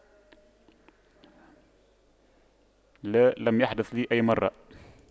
لا لم يحدث لي أي مرة